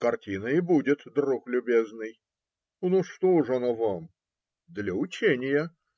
- Картина и будет, друг любезный. - На что ж она вам? - Для ученья.